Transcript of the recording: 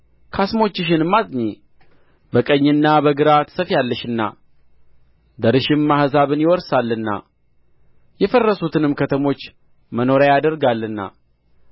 ካስሞችሽንም አጽኚ በቀኝና በግራ ትሰፋፊያለሽና ዘርሽም አሕዛብን ይወርሳልና የፈረሱትንም ከተሞች መኖሪያ ያደርጋልና